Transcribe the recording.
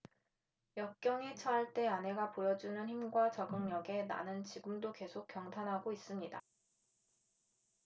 역경에 처할 때 아내가 보여 주는 힘과 적응력에 나는 지금도 계속 경탄하고 있습니다